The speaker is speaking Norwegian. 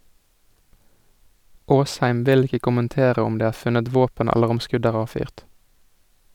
Aasheim vil ikke kommentere om det er funnet våpen eller om skudd er avfyrt.